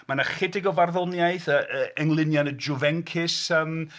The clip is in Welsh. Mae 'na 'chydig o farddoniaeth, yy englynion y Juvencus yym.